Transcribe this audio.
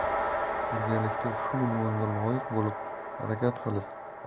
birgalikda shu unvonga loyiq bo'lib harakat qilib